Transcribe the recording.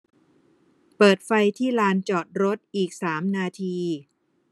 เปิดไฟที่ลานจอดรถอีกสามนาที